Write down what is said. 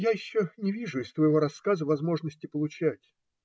- Я еще не вижу из твоего рассказа возможности получать.